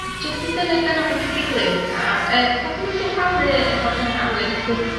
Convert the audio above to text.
jyst i dynu'r benod at 'i gilydd 'ta yy sat ti'n meindio rhannu efo'r grandawyr sut